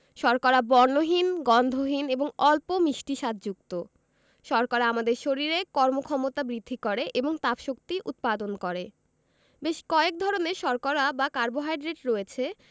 শর্করা বর্ণহীন গন্ধহীন এবং অল্প মিষ্টি স্বাদযুক্ত শর্করা আমাদের শরীরে কর্মক্ষমতা বৃদ্ধি করে এবং তাপশক্তি উৎপাদন করে বেশ কয়েক ধরনের শর্করা বা কার্বোহাইড্রেট রয়েছে